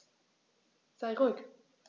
Sei ruhig.